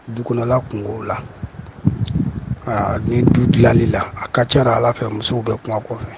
Bula kun la ni du dilanli la a ka cara ala fɛ musow bɛ kuma kɔfɛ